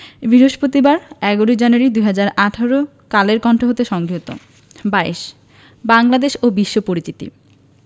বৃহস্পতিবার ১১ জানুয়ারি ২০১৮ কালের কন্ঠ হতে সংগৃহীত ২২ বাংলাদেশ ও বিশ্ব পরিচিতি